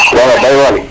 waw Baye Waly